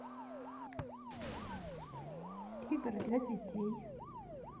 игры для детей